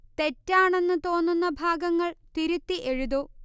തെറ്റാണെന്ന് തോന്നുന്ന ഭാഗങ്ങൾ തിരുത്തി എഴുതൂ